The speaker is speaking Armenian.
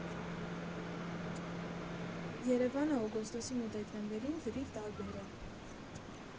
Երևանը օգոստոսին ու դեկտեմբերին լրիվ տարբեր է։